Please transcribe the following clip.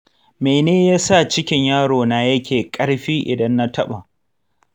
mene yasa cikin yaro na yake ƙarfi idan na taɓa?